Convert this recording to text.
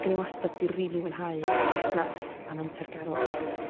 ag on ni wastad 'di rili mwynhau busnas a mentergarwch